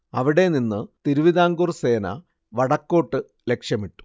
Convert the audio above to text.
അവിടെ നിന്ന് തിരുവിതാംകൂർ സേന വടക്കോട്ട് ലക്ഷ്യമിട്ടു